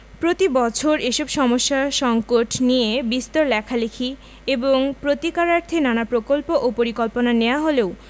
প্রতিবছর এসব সমস্যা সঙ্কট নিয়ে বিস্তর লেখালেখি এবং প্রতিকারার্থে নানা প্রকল্প ও পরিকল্পনা নেয়া হলেও